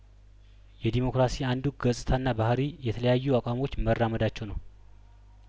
የዲሞክራሲ አንዱ ገጽታና ባህርይ የተለያዩ አቋሞች መራመዳቸው ነው